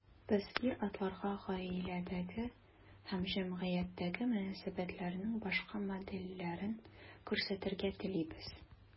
Без ир-атларга гаиләдәге һәм җәмгыятьтәге мөнәсәбәтләрнең башка модельләрен күрсәтергә телибез.